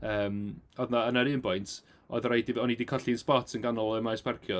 Yym oedd 'na oedd na ryw bwynt, oedd raid i fi... o'n i 'di colli'n spot yn ganol y maes parcio.